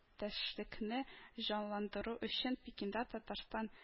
Тәшлекне җанландыру өчен, пекинда татарстан